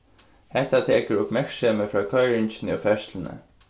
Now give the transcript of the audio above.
hetta tekur uppmerksemið frá koyringini og ferðsluni